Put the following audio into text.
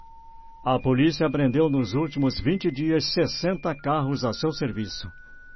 a polícia apreendeu nos últimos vinte dias sessenta carros a seu serviço